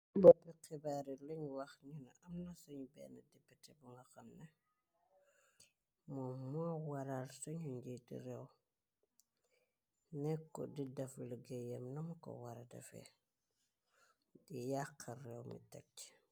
Bopni xibaare liñ wax ñu na am na sañu benn dipp ce bu nga xam ne moo moo waraal sañu njirti réew nekko di dafa liggeyem nam ko wara defe di yaaxar réew mi tëcc.